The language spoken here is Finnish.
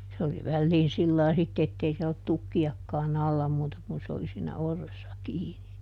se oli väliin sillä lailla sitten että ei siellä ollut tukkiakaan alla muuta kuin se oli siinä orressa kiinni